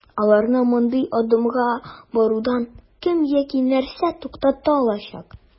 Аларны мондый адымга барудан кем яки нәрсә туктата алачак?